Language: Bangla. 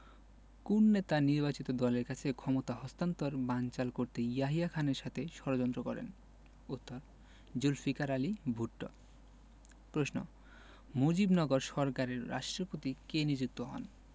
কোন নেতা নির্বাচিত দলের কাছে ক্ষমতা হস্তান্তর বানচাল করতে ইয়াহিয়া খানের সাথে ষড়যন্ত্র করেন উত্তরঃ জুলফিকার আলী ভুট্ট প্রশ্ন মুজিবনগর সরকারের রাষ্ট্রপতি কে নিযুক্ত হন